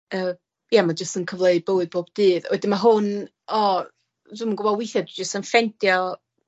Yy ie ma' jys yn cyfleu bywyd bob dydd. A wedyn ma' hwn, o, dw'm yn gwbo withie dwi jys yn ffendio